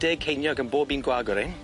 Deg ceiniog am bob un gwag o rein!